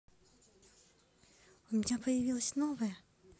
у меня появилась новая